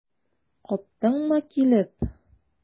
Каптыңмы килеп?